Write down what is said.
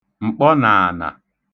m̀kpọnàànà